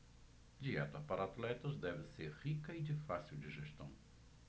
dieta para atletas deve ser rica e de fácil digestão